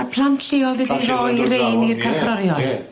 A plant lleol wedi roi rein i'r carcharorion. Ie.